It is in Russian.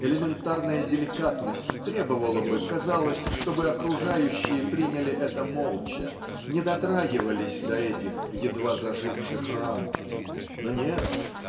элементарная деликатность требовала бы, казалось, чтобы окружающие приняли это молча, не дотрагивались до этих едва заживших ран, но нет